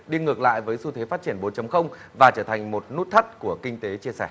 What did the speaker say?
đi ngược lại với xu thế phát triển bốn chấm không và trở thành một nút thắt của kinh tế chia sẻ